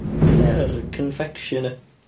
Ia yr confectioner.